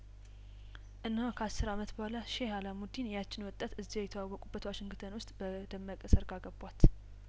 እነሆ ከአስር አመት በኋላ ሼህ አላሙዲን ያቺን ወጣት እዚያው የተዋወቁ በት ዋሽንግተን ውስጥ በደመቀ ሰርግ አገቧት